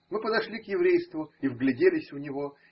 Мы подошли к еврейству и вгляделись в него.